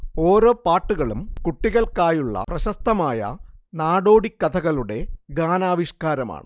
ഓരോ പാട്ടുകളും കുട്ടികൾക്കായുള്ള പ്രശസ്തമായ നാടോടിക്കഥകളുടെ ഗാനാവിഷ്കാരമാണ്